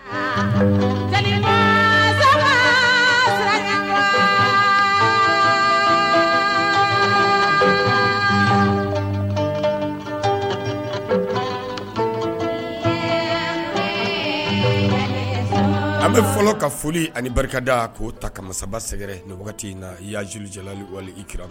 An bɛ fɔlɔ ka foli ani barika da'o ta ka sababa sɛgɛrɛ wagati in na y yaajjɛli wali i kira